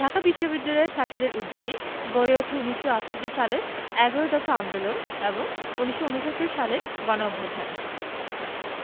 ঢাকা বিশ্ববিদ্যালয়ের ছাত্রদের উদ্যোগেই গড়ে উঠে ১৯৬৮ সালের এগারো দফা আন্দোলন এবং ১৯৬৯ সালের গণঅভ্যুত্থান